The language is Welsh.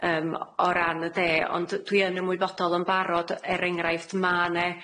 yym o ran y de. Ond yy dwi yn ymwybodol yn barod, er enghraifft, ma' 'ne